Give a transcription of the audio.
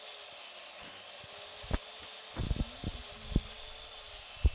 а валеру знаешь